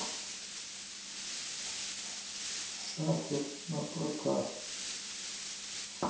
шафер напрокат